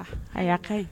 Ayi, a ka ɲi!